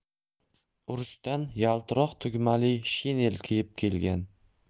urushdan yaltiroq tugmali shinel kiyib kelgan